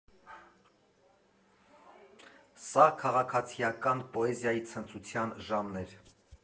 Սա քաղաքացիական պոեզիայի ցնծության ժամն էր։